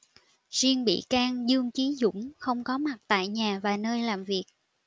riêng bị can dương chí dũng không có mặt tại nhà và nơi làm việc